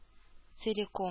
Целиком